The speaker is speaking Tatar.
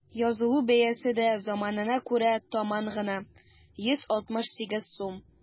Язылу бәясе дә заманына күрә таман гына: 168 сум.